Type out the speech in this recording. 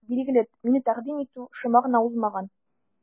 Билгеле, мине тәкъдим итү шома гына узмаган.